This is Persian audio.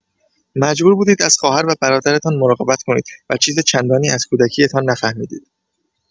مجبور بودید از خواهر و برادرتان مراقبت کنید و چیز چندانی از کودکی‌تان نفهمیدید.